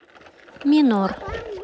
минор